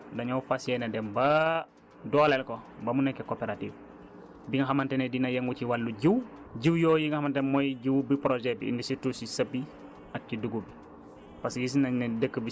donc comité boobu dañoo fas yéene dem ba dooleel ko ba mu nekk coopérative bi nga xamante ne dina yëngu ci wàllu jiwu jiwu yooyu nga xamante ne mooy jiwu bi projet bi indi surtout si sëb yi ak ci dugub yi